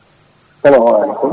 salamu aleykum